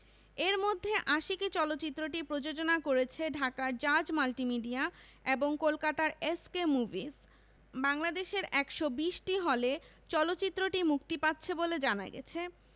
এর মধ্যে আশিকী চলচ্চিত্রটি প্রযোজনা করছে ঢাকার জাজ মাল্টিমিডিয়া এবং কলকাতার এস কে মুভিজ বাংলাদেশের ১২০টি হলে চলচ্চিত্রটি মুক্তি পাচ্ছে বলে জানা গেছে